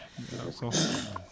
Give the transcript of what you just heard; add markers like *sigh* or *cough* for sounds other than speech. *clears throat* jarama Sow